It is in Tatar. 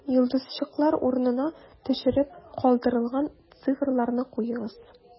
Йолдызчыклар урынына төшереп калдырылган цифрларны куегыз: